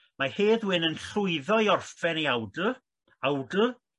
Mae Hedd Wyn yn llwyddo i orffen ei awdl awdl